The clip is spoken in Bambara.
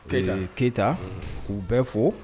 Keita ee Keita unhun k'u bɛɛ fo